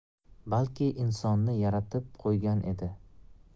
balki insonni yaratib qo'ygan edi